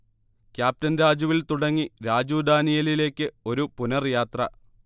captain രാജുവിൽ തുടങ്ങി രാജു ഡാനിയേലിലേക്ക് ഒരു പുനർയാത്ര